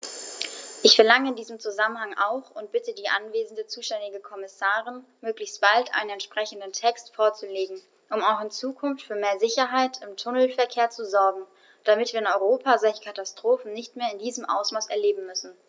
Ich verlange in diesem Zusammenhang auch und bitte die anwesende zuständige Kommissarin, möglichst bald einen entsprechenden Text vorzulegen, um auch in Zukunft für mehr Sicherheit im Tunnelverkehr zu sorgen, damit wir in Europa solche Katastrophen nicht mehr in diesem Ausmaß erleben müssen!